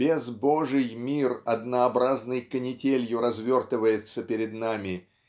безбожий мир однообразной канителью развертывается перед нами